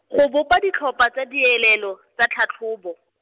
go bopa ditlhopha tsa dilelo, tsa tlhatlhobo.